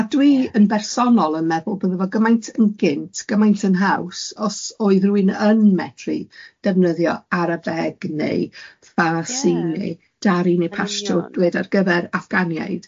A dwi yn bersonol yn meddwl bydde fel gymaint yn gynt, gymaint yn haws, os oedd r'wun yn medru defnyddio Arabeg neu Farsi neu Dari neu Pashtun ar gyfer Afganiaid.